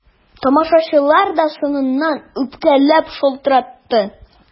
Тамашачылар да соңыннан үпкәләп шалтыратты.